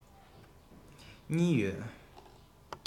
གཉིས ཡོད